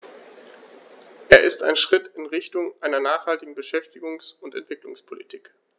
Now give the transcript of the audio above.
Er ist ein Schritt in Richtung einer nachhaltigen Beschäftigungs- und Entwicklungspolitik.